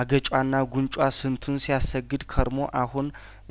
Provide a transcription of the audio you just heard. አገጯና ጉንጯ ስንቱን ሲያሰግድ ከርሞ አሁን